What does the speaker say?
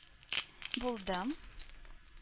Булдым